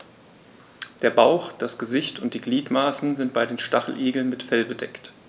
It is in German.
Der Bauch, das Gesicht und die Gliedmaßen sind bei den Stacheligeln mit Fell bedeckt.